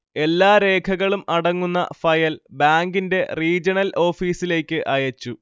എല്ലാരേഖകളും അടങ്ങുന്ന ഫയൽ ബാങ്കിന്റെ റീജണൽ ഓഫീസിലേക്ക് അയച്ചു